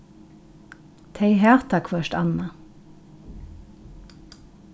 tey hata hvørt annað